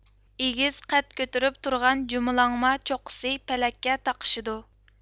ئېگىز قەد كۆتۈرۈپ تۇرغان چۇمۇلاڭما چوققىسى پەلەككە تاقىشىدۇ